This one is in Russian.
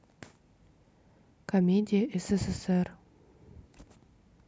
комедия ссср